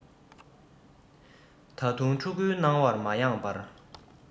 ད དུང ཕྲུ གུའི སྣང བས མ རེངས པར